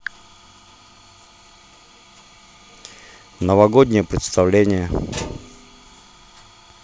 новогоднее представление